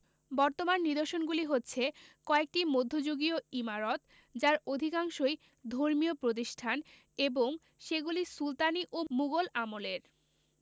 বর্তমান নিদর্শনগুলি হচ্ছে কয়েকটি মধ্যযুগীয় ইমারত যার অধিকাংশই ধর্মীয় প্রতিষ্ঠান এবং সেগুলি সুলতানি ও মুগল আমলের